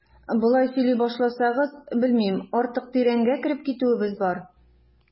Болай сөйли башласагыз, белмим, артык тирәнгә кереп китүебез бар.